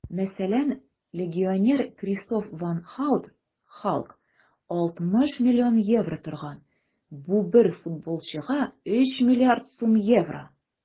Мәсәлән, легионер Кристоф ван Һаут (Халк) 60 млн евро торган - бу бер футболчыга 3 млрд сум евро!